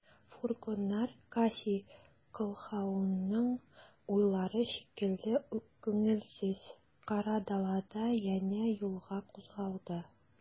Фургоннар Кассий Колһаунның уйлары шикелле үк күңелсез, кара далада янә юлга кузгалды.